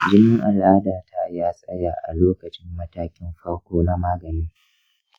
jinin al'adata ya tsaya a lokacin matakin farko na maganin.